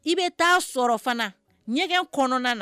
I bɛ taa sɔrɔ fana ɲɛgɛn kɔnɔna na